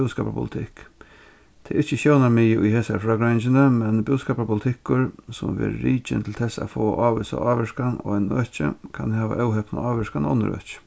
búskaparpolitikk tað er ikki sjónarmiðið í hesari frágreiðingini men búskaparpolitikkur sum verður rikin til tess at fáa ávísa ávirkan á einum øki kann hava óhepna ávirkan á onnur øki